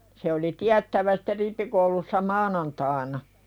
se oli tiedettävä sitten rippikoulussa maanantaina